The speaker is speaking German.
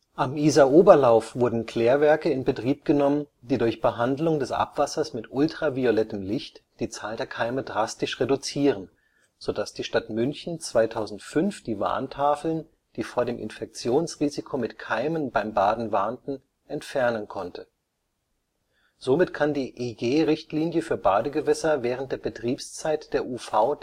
Am Isaroberlauf wurden Klärwerke in Betrieb genommen, die durch Behandlung des Abwassers mit ultraviolettem Licht die Zahl der Keime drastisch reduzieren, so dass die Stadt München 2005 die Warntafeln, die vor dem Infektionsrisiko mit Keimen beim Baden warnten, entfernen konnte. Somit kann die EG-Richtlinie für Badegewässer während der Betriebszeit der UV-Desinfektionsanlagen